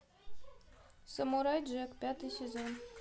самурай джек пятый сезон